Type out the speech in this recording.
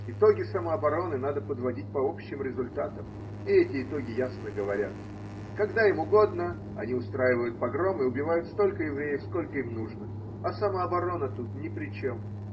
Итоги самообороны надо подводить по общим результатам, и эти итоги ясно говорят: когда им угодно, они устраивают погром и убивают столько евреев, сколько им нужно, а самооборона тут ни при чем.